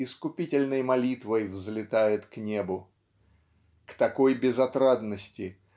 искупительной молитвой взлетает к небу. К такой безотрадности